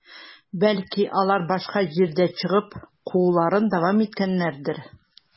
Бәлки, алар башка җирдә чыгып, кууларын дәвам иткәннәрдер?